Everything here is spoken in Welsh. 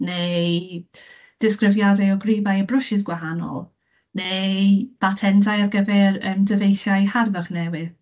Neu disgrifiadau o gribau a brwsys gwahanol, neu batentau ar gyfer, yym, dyfeisiau harddwch newydd.